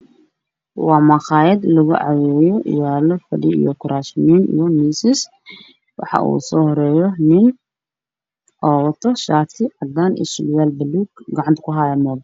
Waa maqaayad lagu caweeyo yaalo fadhi iyo kuraas wayn iyo miisas waxaa ugu soo horeeyo nin gacanta ku hayo mobile